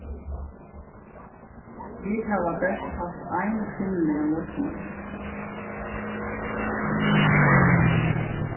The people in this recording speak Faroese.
vit hava bert havt ein kvinnuligan løgmann